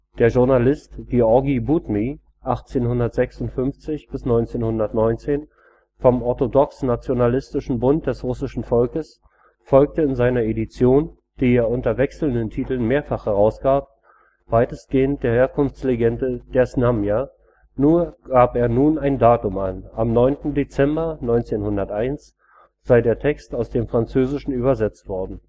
Der Journalist Georgi Butmi (1856 – 1919) vom orthodox-nationalistischen Bund des russischen Volkes folgte in seiner Edition, die er unter wechselnden Titeln mehrfach herausgab, weitgehend der Herkunftslegende der Znamia, nur gab er nun ein Datum an: Am 9. Dezember 1901 sei der Text aus dem Französischen übersetzt worden